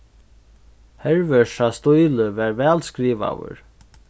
hervørsa stílur var væl skrivaður